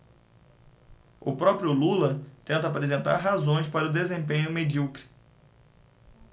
o próprio lula tenta apresentar razões para o desempenho medíocre